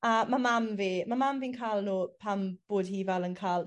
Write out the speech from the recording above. A ma' mam fi ma' mam fi'n ca'l n'w pan bod hi fel yn ca'l